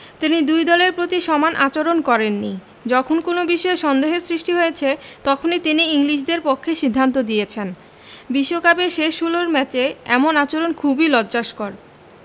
তিনি দুই দলের প্রতি সমান আচরণ করেননি যখন কোনো বিষয়ে সন্দেহের সৃষ্টি হয়েছে তখনই তিনি ইংলিশদের পক্ষে সিদ্ধান্ত দিয়েছেন বিশ্বকাপের শেষ ষোলর ম্যাচে এমন আচরণ খুবই লজ্জাস্কর